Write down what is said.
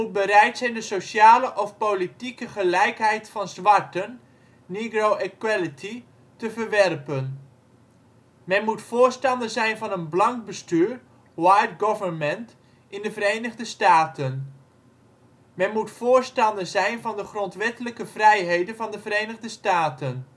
bereid zijn de sociale of politieke gelijkheid van zwarten (' negro equality ') te verwerpen. 6. Men moet voorstander zijn van een blank bestuur (' white government ') in de Verenigde Staten. 7. Men moet voorstander zijn van de grondwettelijke vrijheden van de Verenigde Staten